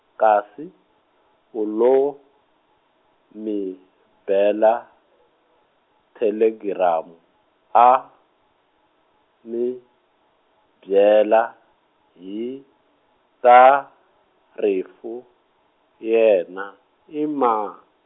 kasi, u lo, mi, bela , thelegiramu, a, mi, byela, hi, ta, rifu, yena, i ma-.